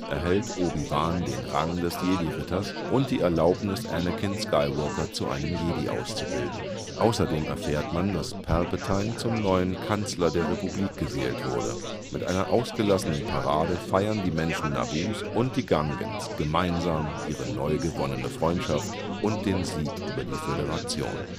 erhält Obi-Wan den Rang des Jedi-Ritters und die Erlaubnis, Anakin Skywalker zu einem Jedi auszubilden. Außerdem erfährt man, dass Palpatine zum neuen Kanzler der Republik gewählt wurde. Mit einer ausgelassenen Parade feiern die Menschen Naboos und die Gungans gemeinsam ihre neugewonnene Freundschaft und den Sieg über die Föderation